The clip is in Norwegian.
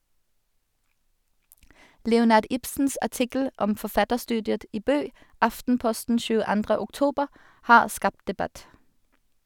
Leonard Ibsens artikkel om forfatterstudiet i Bø (Aftenposten 22. oktober) har skapt debatt.